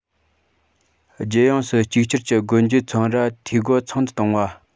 རྒྱལ ཡོངས སུ གཅིག གྱུར གྱི སྒོ འབྱེད ཚོང ར འཐུས སྒོ ཚང དུ གཏོང བ